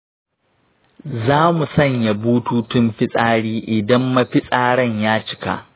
zamu sanya bututun fitsari idan mafitsaran ya cika